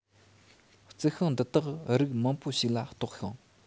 རྩི ཤིང འདི དག རིགས མང པོ ཞིག ལ གཏོགས ཤིང